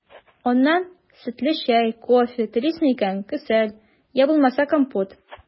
Аннан сөтле чәй, кофе, телисең икән – кесәл, йә булмаса компот.